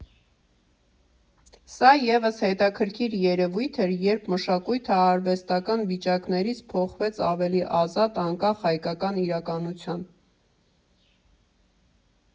Սա ևս հետաքրքիր երևույթ էր, երբ մշակույթը սովետական վիճակներից փոխվեց ավելի ազատ, անկախ հայկական իրականության։